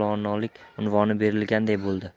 mavlonolik unvoni berilganday bo'ldi